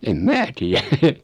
en minä tiedä